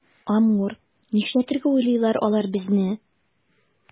Амур, нишләтергә уйлыйлар алар безне?